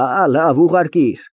Հա։ Լավ, ուղարկիր։